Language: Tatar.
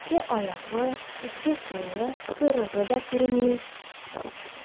Ике аяклы, ике куллы, койрыгы да күренми.